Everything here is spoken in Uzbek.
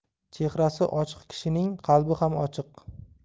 chehrasi ochiq kishining qalbi ham ochiq